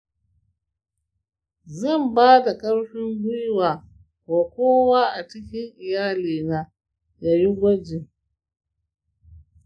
zan bada karfin gwiwa wa kowa a cikin iyalina ya yi gwaji.